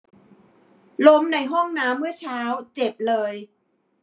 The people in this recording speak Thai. ล้มในห้องน้ำเมื่อเช้าเจ็บเลย